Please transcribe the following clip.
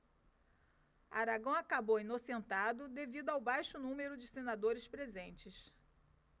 aragão acabou inocentado devido ao baixo número de senadores presentes